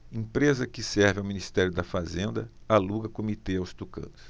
empresa que serve ao ministério da fazenda aluga comitê aos tucanos